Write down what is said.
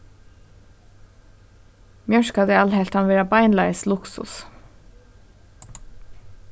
mjørkadal helt hann vera beinleiðis luksus